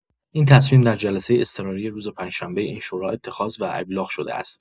این تصمیم در جلسه اضطراری روز پنج‌شنبه این شورا اتخاذ و ابلاغ شده است.